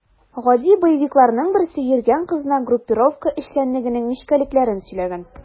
Гади боевикларның берсе йөргән кызына группировка эшчәнлегенең нечкәлекләрен сөйләгән.